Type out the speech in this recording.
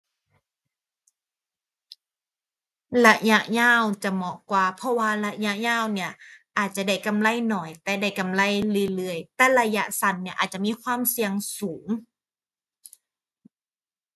ระยะยาวจะเหมาะกว่า เพราะว่าระยะยาวเนี่ย อาจจะได้กำไรน้อย แต่ได้กำไรเรื่อยเรื่อย แต่ระยะสั้นเนี่ย อาจจะมีความเสี่ยงสูง